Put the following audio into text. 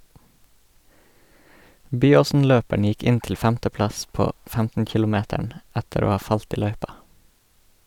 Byåsen-løperen gikk inn til femteplass på 15-kilometeren etter å ha falt i løypa.